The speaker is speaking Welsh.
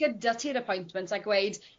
...gyda ti i'r appointment a gweud